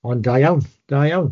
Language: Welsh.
ond da iawn, da iawn.